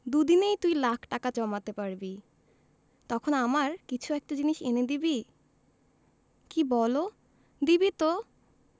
দুদিনেই তুই লাখ টাকা জমাতে পারবি তখন আমার কিছু একটা জিনিস এনে দিবি কি বলো দিবি তো